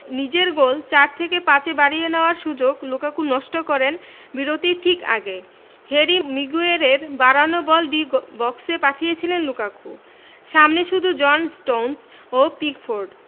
নিজের গোল চার থেকে পাঁচে বাড়িয়ে নেওয়ার সুযোগ লুকাকু নষ্ট করেন বিরতির ঠিক আগে হ্যারি মিগুয়েরের বাড়ানো বল ডি বক্সে পাঠিয়েছিলেন লুকাকু সামনে শুধু জন স্টোনস ও পিকফোর্ড